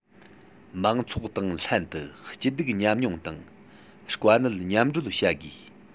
མང ཚོགས དང ལྷན དུ སྐྱིད སྡུག མཉམ མྱོང དང དཀའ གནད མཉམ སྒྲོལ བྱ དགོས